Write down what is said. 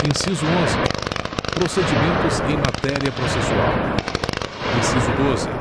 inciso onze procedimentos em matéria processual inciso doze